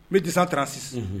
N bɛ disa taara sisan